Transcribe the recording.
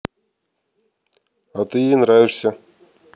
а ты ей нравишься